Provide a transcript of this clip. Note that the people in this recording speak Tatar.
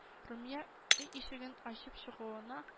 Румия өй ишеген ачып чыгуына